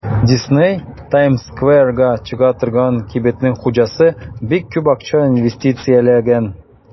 Дисней (Таймс-скверга чыга торган кибетнең хуҗасы) бик күп акча инвестицияләгән.